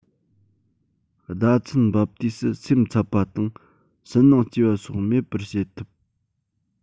ཟླ མཚན འབབ དུས སུ སེམས འཚབ པ དང སུན སྣང སྐྱེས པ སོགས མེད པར བྱེད ཐུབ